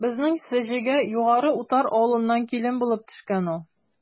Безнең Сеҗегә Югары Утар авылыннан килен булып төшкән ул.